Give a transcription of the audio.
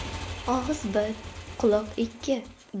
og'iz bir quloq ikki